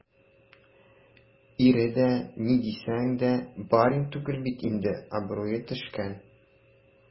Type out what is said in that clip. Ире дә, ни дисәң дә, барин түгел бит инде - абруе төшкән.